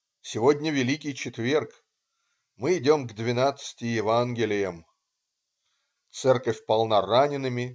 Сегодня великий четверг, мы идем к двенадцати евангелиям. Церковь полна ранеными.